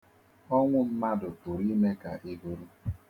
Ọnwụ mmadụ pụrụ ime ka ihuru.